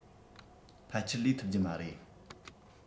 ཕལ ཆེལ ལས ཐུབ རྒྱུ མ རེད